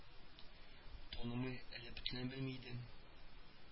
Танымый, әллә бөтенләй белми иде